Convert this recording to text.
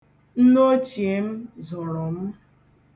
Nnoochie m zụrụ m.